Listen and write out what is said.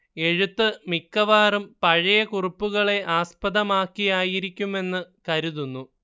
എഴുത്ത് മിക്കവാറും പഴയ കുറിപ്പുകളെ ആസ്പദമാക്കിയായിരിക്കുമെന്ന് കരുതുന്നു